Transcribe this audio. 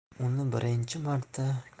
uni birinchi marta